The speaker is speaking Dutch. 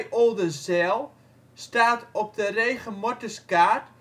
Oldenzijl staat op de Regemorteskaart